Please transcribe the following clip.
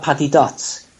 pad i dots.